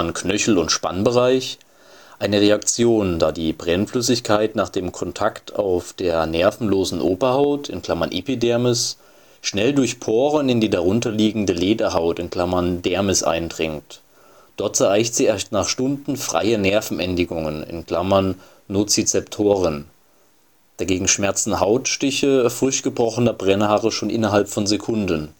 Knöchel - und Spannbereich) eine Reaktion, da die Brennflüssigkeit nach dem Kontakt auf der nervenlosen Oberhaut (Epidermis) schnell durch Poren in die darunterliegende Lederhaut (Dermis) eindringt, dort erreicht sie erst nach Stunden freie Nervenendigungen (Nozizeptoren), dagegen schmerzen Hauteinstiche frisch gebrochener Brennhaare schon innerhalb von Sekunden